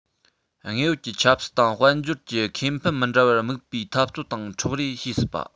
དངོས ཡོད ཀྱི ཆབ སྲིད དང དཔལ འབྱོར གྱི ཁེ ཕན མི འདྲ བར དམིགས པའི འཐབ རྩོད དང འཕྲོག རེས བྱེད སྲིད པ